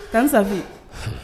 Tanti Safi